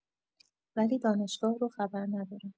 ولی دانشگاه رو خبر ندارم.